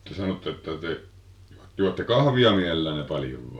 te sanotte että te juotte kahvia mielellänne paljon vai